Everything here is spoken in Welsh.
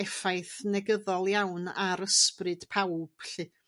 effaith negyddol iawn ar ysbryd pawb 'lly.